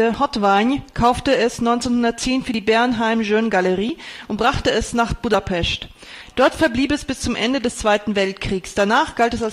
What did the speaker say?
Hatvany kaufte es 1910 für die Bernheim-Jeune Galerie und brachte es nach Budapest. Dort verblieb es bis zum Ende des Zweiten Weltkriegs. Danach galt